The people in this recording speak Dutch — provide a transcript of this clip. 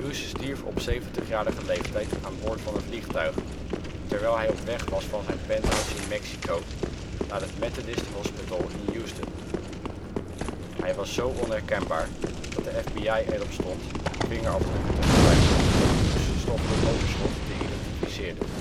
stierf op 70-jarige leeftijd aan boord van een vliegtuig, terwijl hij op weg was van zijn penthouse in Mexico naar het Methodist Hospital in Houston. Hij was zo onherkenbaar dat de FBI erop stond vingerafdrukken te gebruiken om Hughes ' stoffelijk overschot te identificeren